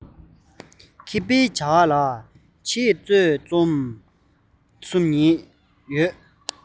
མཁས པའི བྱ བ ལ འཆད རྩོད རྩོམ གསུམ ཉིད དུ བགྲང ཞིང